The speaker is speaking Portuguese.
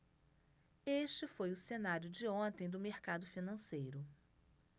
este foi o cenário de ontem do mercado financeiro